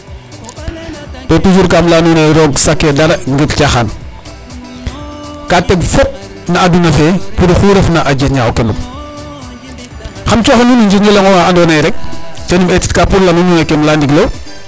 To toujours kan laya nuun ee roog saqe dara ngir caaxaan ka teg fop no aduna fe pour oxu refna a jirña o kendum xaam coox a nuun o njiriñ onqa andoona yee rek ten eetitka pour laya nuun ee ken um laya ndigil o.